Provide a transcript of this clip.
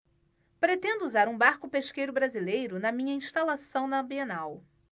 pretendo usar um barco pesqueiro brasileiro na minha instalação na bienal